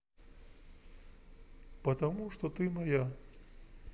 потому что ты моя